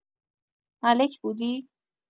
ملک بودی؟